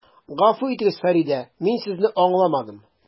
Гафу итегез, Фәридә, мин Сезне аңламадым.